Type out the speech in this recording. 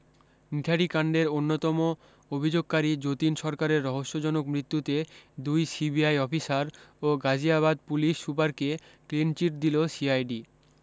নিঠারী কাণ্ডের অন্যতম অভি্যোগকারী যতীন সরকারের রহস্যজনক মৃত্যুতে দুই সিবিআই অফিসার ও গাজিয়াবাদ পুলিশ সুপারকে ক্লিনচিট দিল সিআইডি